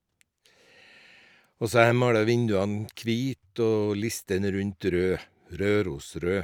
Og så har jeg malt vinduene kvit og listene rundt rød, Rørosrød.